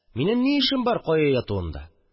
Минем ни эшем бар кая ятуында